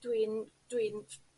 dwi'n dwi'n